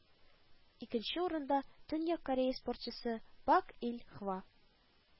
Икенче урында – Төньяк Корея спортчысы Пак Иль Хва